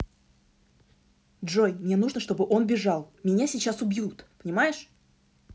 джой мне нужно чтобы он бежал меня сейчас убьют понимаешь